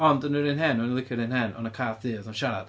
Ond yn yr un hen o'n i'n licio'r un hen. Oedd 'na cath du oedd yn siarad.